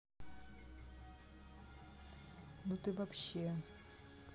ну ты вообще